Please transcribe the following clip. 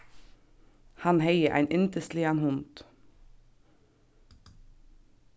hann hevði ein yndisligan hund